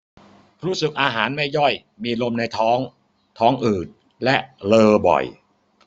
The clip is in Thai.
รู้สึกอาหารไม่ย่อยมีลมในท้องท้องอืดและเรอบ่อย